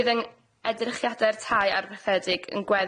Bydd yng- edrychiade'r tai ar fathedig yn gweddi